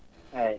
eeyi